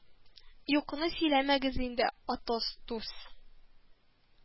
Юкны сөйләмәгез инде, Атос дус